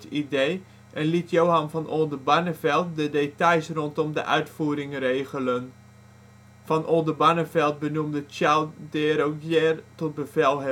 idee en liet Johan van Oldenbarnevelt de details rondom de uitvoering regelen. Van Oldenbarnevelt benoemde Charles de Héraugière tot